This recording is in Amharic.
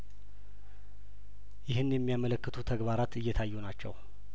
ይህን የሚያመለክቱ ተግባራት እየታዩ ናቸው